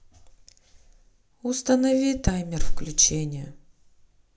установи таймер включения